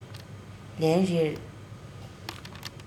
ལན རེར